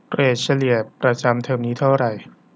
เกรดเฉลี่ยประจำเทอมนี้เท่าไหร่